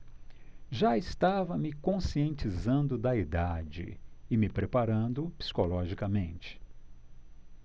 já estava me conscientizando da idade e me preparando psicologicamente